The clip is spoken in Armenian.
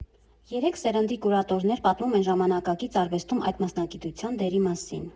Երեք սերնդի կուրատորներ պատմում են Ժամանակակից արվեստում այդ մասնագիտության դերի մասին։